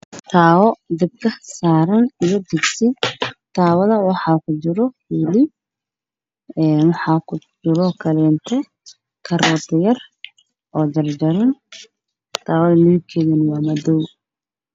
Halkaan waxaa ka muuqdo kaabo hilib lagu karinaayo kaabada midabkeeda waa madaw